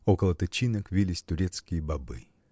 около тычинок вились турецкие бобы.